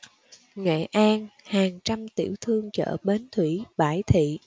nghệ an hàng trăm tiểu thương chợ bến thủy bãi thị